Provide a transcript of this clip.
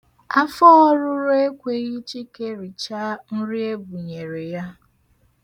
Afọ ọrụrụ ekweghị Chike richaa nri ebunyere ya.